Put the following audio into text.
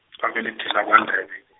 ngabelethelwa kwaNdebe-.